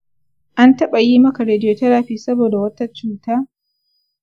an taɓa yi maka radiotherapy saboda wata cuta?